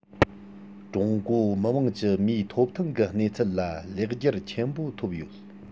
ཀྲུང གོ མི དམངས ཀྱི མིའི ཐོབ ཐང གི གནས ཚུལ ལ ལེགས བསྒྱུར ཆེན པོ ཐོབ ཡོད